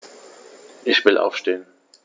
Ich will aufstehen.